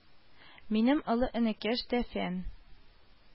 Минем олы энекәш тә Фән